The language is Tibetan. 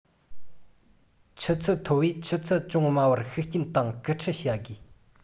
ཆུ ཚད མཐོ བས ཆུ ཚད ཅུང དམའ བར ཤུགས རྐྱེན དང སྐུལ ཁྲིད བྱ དགོས